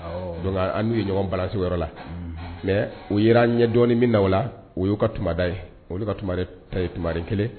An'u ye ɲɔgɔn balasi yɔrɔ la mɛ u ye ɲɛ dɔɔninɔni min na o la o y'o ka kuma da ye olu ka ta ye tumari kelen